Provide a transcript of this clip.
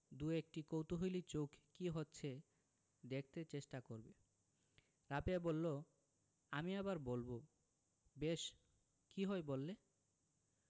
দুএকটি কৌতুহলী চোখ কি হচ্ছে দেখতে চেষ্টা করবে রাবেয়া বললো আমি আবার বলবো বেশ কি হয় বললে